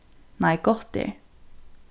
nei gott er